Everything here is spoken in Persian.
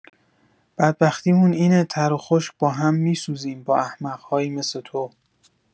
بدبختی‌مون اینه‌تر و خشک با هم می‌سوزیم با احمق‌هایی مثل تو